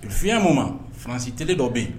I fiɲɛ mun ma fanransi teli dɔ bɛ yen